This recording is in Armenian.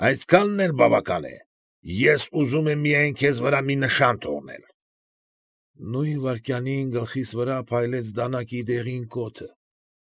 Այսքանն էլ բավական է, ես ուզում եմ միայն քեզ վրա մի նշան թողնել… Նույն վայրկյանին գլխիս վրա փայլեց դանակի դեղին կոթը։